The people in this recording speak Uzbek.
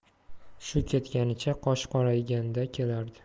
shu ketganicha qosh qorayganda kelardi